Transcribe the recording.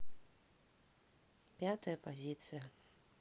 пятая позиция